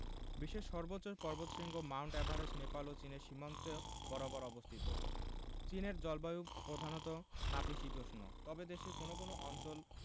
বিশ্বের সর্বোচ্চ পর্বতশৃঙ্গ মাউন্ট এভারেস্ট নেপাল ও চীনের সীমান্ত বরাবর অবস্থিত চীনের জলবায়ু প্রধানত নাতিশীতোষ্ণ তবে দেশটির কোনো কোনো অঞ্চল